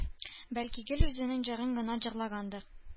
Бәлки, гел үз җырын гына җырлагандыр